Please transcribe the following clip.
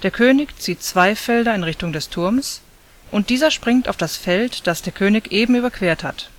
König zieht zwei Felder in Richtung des Turms, und dieser springt auf das Feld, das der König eben überquert hat